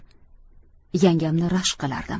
yangamni rashk qilardim